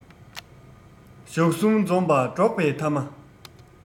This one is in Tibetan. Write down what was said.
ཞག གསུམ འཛོམས པ འགྲོགས པའི ཐ མ